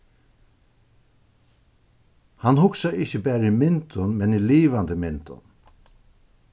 hann hugsar ikki bara í myndum men í livandi myndum